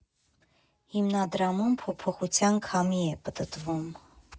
Հիմնադրամում փոփոխության քամի է պտտվում։